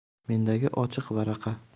mendagi ochiq varaqa